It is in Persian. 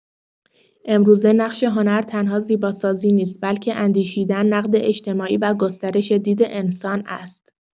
امروزه نقش هنر تنها زیباسازی نیست بلکه اندیشیدن، نقد اجتماعی و گسترش دید انسان است.